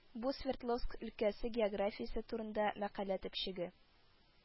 Бу Свердловск өлкәсе географиясе турында мәкалә төпчеге